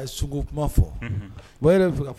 Aye so ko kuma fɔ, bon e yɛrɛ bɛ fɛ ka mun fɔ?